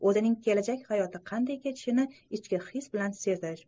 o'zining kelajak hayoti qanday kechishini ichki his bilan sezish